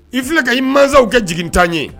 I filɛ ka i mansaw kɛ jigintan ɲe